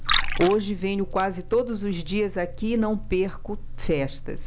hoje venho quase todos os dias aqui e não perco festas